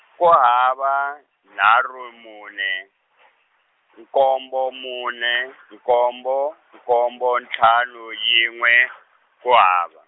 kuhava, nharu mune, nkombo mune, nkombo, nkombo ntlhanu yin'we, kuhava.